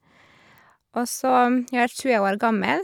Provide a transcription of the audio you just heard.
Og så jeg er tjue år gammel.